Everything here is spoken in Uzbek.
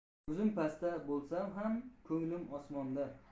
o'zim pasmanda bo'lsam ham ko'nglim osmonda